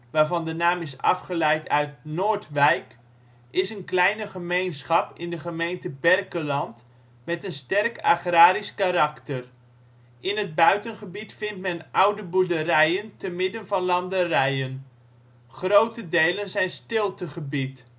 waarvan de naam is afgeleid uit Noord-wijk, is een kleine gemeenschap in de gemeente Berkelland met een sterk agrarisch karakter. In het buitengebied vindt men oude boerderijen te midden van landerijen. Grote delen zijn stiltegebied